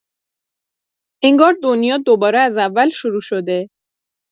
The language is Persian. انگار دنیا دوباره از اول شروع شده.